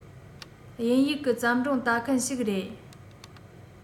དབྱིན ཡིག གི བརྩམས སྒྲུང ལྟ མཁན ཞིག རེད